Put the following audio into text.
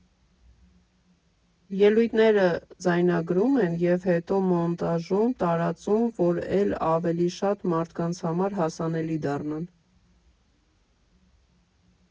Ելույթները ձայնագրում են և հետո մոնտաժում, տարածում, որ էլ ավելի շատ մարդկանց համար հասանելի դառնան։